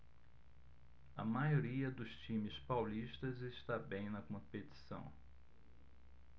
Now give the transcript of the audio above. a maioria dos times paulistas está bem na competição